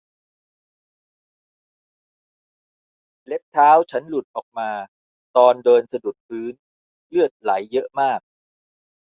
เล็บเท้าฉันหลุดออกมาตอนเดินสะดุดพื้นเลือดไหลเยอะมาก